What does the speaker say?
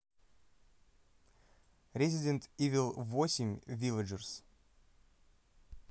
resident evil восемь villagers